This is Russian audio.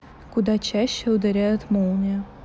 куда чаще ударяет молния